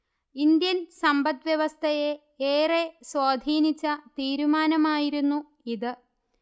Indian സമ്പത്‌വ്യവസ്ഥയെ ഏറെ സ്വാധീനിച്ച തീരുമാനമായിരുന്നു ഇത്